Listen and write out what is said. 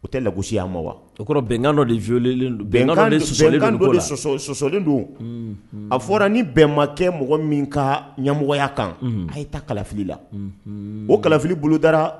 O tɛ lagosiya ma bɛndɔ sɔsɔlen don a fɔra ni bɛnbakɛ mɔgɔ min ka ɲamɔgɔya kan a ye tafili la ofili bolo dara